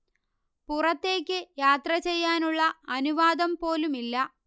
പുറത്തേക്ക് യാത്ര ചെയ്യാനുള്ള അനുവാദം പോലുമില്ല